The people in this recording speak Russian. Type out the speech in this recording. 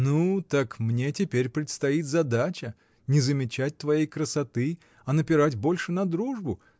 — Ну так мне теперь предстоит задача — не замечать твоей красоты, а напирать больше на дружбу?